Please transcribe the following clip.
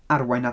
Arwain at...